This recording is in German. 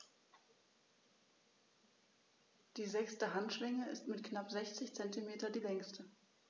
Die sechste Handschwinge ist mit knapp 60 cm die längste.